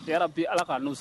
A hɛrɛ bi ala k ka n'u san